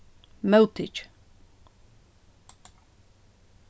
móttikið